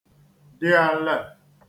dị̀ ẹ̀là